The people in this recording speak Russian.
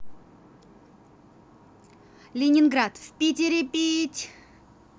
ленинград в питере пить